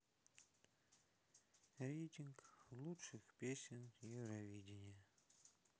рейтинг лучших песен евровидения